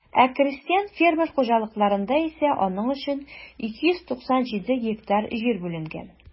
Ә крестьян-фермер хуҗалыкларында исә аның өчен 297 гектар җир бүленгән.